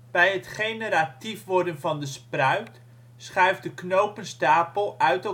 Bij het generatief worden van de spruit schuift de knopenstapel uit elkaar